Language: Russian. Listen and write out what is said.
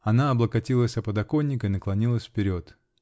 Она облокотилась о подоконник и наклонилась вперед.